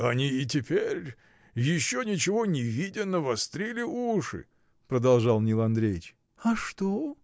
— Они и теперь, еще ничего не видя, навострили уши! — продолжал Нил Андреич. — А что?